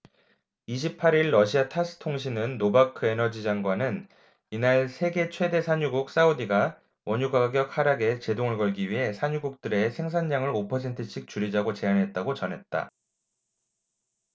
이십 팔 일 러시아 타스 통신은 노바크 에너지장관은 이날 세계 최대 산유국 사우디가 원유가격 하락에 제동을 걸기 위해 산유국들에 생산량을 오 퍼센트씩 줄이자고 제안했다고 전했다